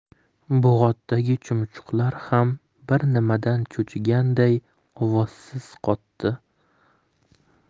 bo'g'otdagi chumchuqlar ham bir nimadan cho'chiganday ovozsiz qotdi